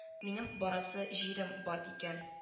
Минем барасы җирем бар икән